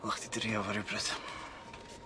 Dylwch chdi drio fo rywbryd.